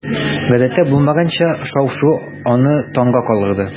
Гадәттә булмаганча шау-шу аны таңга калдырды.